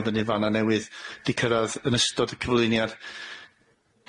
i fyny fan 'na newydd 'di cyrradd yn ystod y cyflwyniad.